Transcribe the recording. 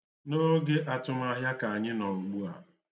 N'oge atụmahịa ka anyị nọ ugbu a.